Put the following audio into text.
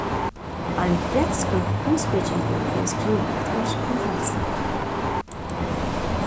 ein bretskur heimspekingur hevur skrivað eitt verk um frælsi